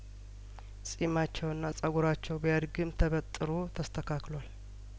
ጺማቸውና ጹጉራቸው ቢያድግም ተበጥሮ ተስተካክሏል